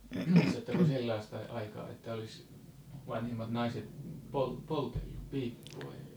muistatteko sellaista aikaa että olisi vanhimmat naiset poltellut piippua